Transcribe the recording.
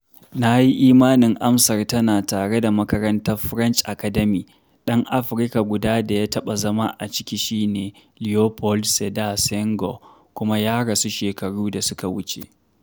Na yi imanin amsar tana tare da makaratar French Academy: ɗan Afirka guda da ya taɓa zama a ciki shi ne Léopold Sédar Senghor, kuma ya rasu shekaru da suka wuce.